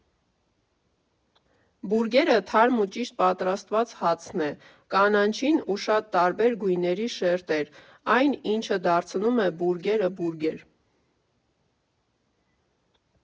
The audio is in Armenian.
Բուրգերը թարմ ու ճիշտ պատրաստված հացն է, կանաչին ու շատ տարբեր գույների շերտերը, այն, ինչը դարձնում է բուրգերը բուրգեր։